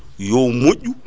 yo mƴƴu